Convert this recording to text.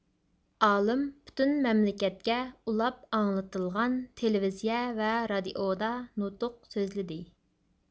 ئالىم پۈتۈن مەملىكەتكە ئۇلاپ ئاڭلىتىلغان تېلېۋىزىيە ۋە رادىئودا نۇتۇق سۆزلىدى